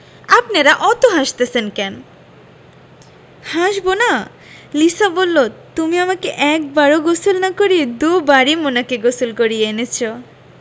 আপনেরা অত হাসতেসেন ক্যান হাসবোনা লিসা বললো তুমি যে আমাকে একবারও গোসল না করিয়ে দুবারই মোনাকে গোসল করিয়ে এনেছো